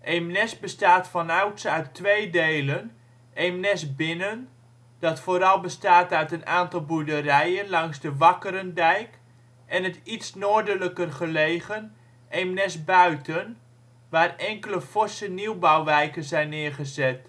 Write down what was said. Eemnes bestaat vanouds uit twee delen: Eemnes-Binnen, dat vooral bestaat uit een aantal boerderijen langs de Wakkerendijk, en het iets noordelijker gelegen Eemnes-Buiten waar enkele forse nieuwbouwwijken zijn neergezet.